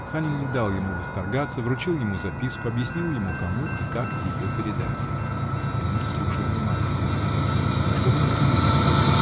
Санин не дал ему восторгаться, вручил ему записку, объяснил ему, кому и как ее передать. Эмиль слушал внимательно. -- Чтобы никто не видел?